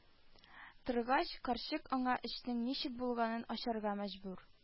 Торгач, карчык аңа эшнең ничек булганын ачарга мәҗбүр